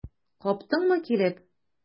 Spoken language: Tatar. Каптыңмы килеп?